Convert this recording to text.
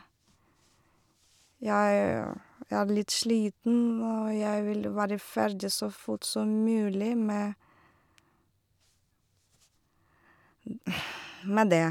jeg Jeg er litt sliten, og jeg vil være ferdig så fort som mulig med med det.